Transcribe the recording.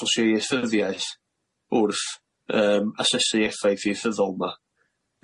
sosiaethyddiaeth wrth yym asesu effaith ieithyddol ma.